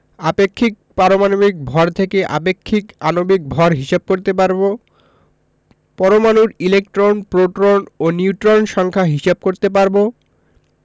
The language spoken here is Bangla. আপেক্ষিক পারমাণবিক ভর থেকে আপেক্ষিক আণবিক ভর হিসাব করতে পারব পরমাণুর ইলেকট্রন প্রোটন ও নিউট্রন সংখ্যা হিসাব করতে পারব